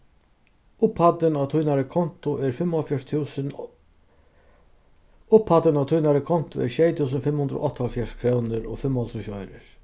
upphæddin á tínari kontu er fimmoghálvfjerðs túsund og upphæddin á tínari kontu er sjey túsund fimm hundrað og áttaoghálvfjerðs krónur og fimmoghálvtrýss oyrur